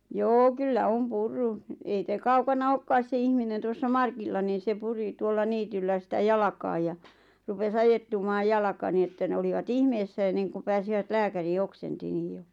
joo kyllä on purrut ei se kaukana olekaan se ihminen tuossa Markilla niin se puri tuolla niityllä sitä jalkaan ja rupesi ajettumaan jalka niin että ne olivat ihmeessä ennen kuin pääsivät lääkäriin oksensi niin jo